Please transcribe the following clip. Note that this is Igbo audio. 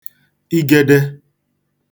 igēdē